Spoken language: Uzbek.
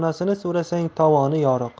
onasini so'rasang tovoni yoriq